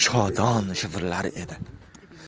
shodon shivirlar edi